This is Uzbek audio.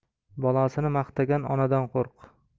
bolasini maqtagan onadan qo'rq